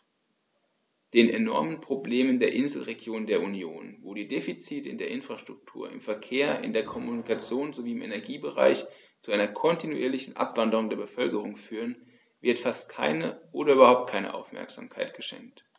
Den enormen Problemen der Inselregionen der Union, wo die Defizite in der Infrastruktur, im Verkehr, in der Kommunikation sowie im Energiebereich zu einer kontinuierlichen Abwanderung der Bevölkerung führen, wird fast keine oder überhaupt keine Aufmerksamkeit geschenkt.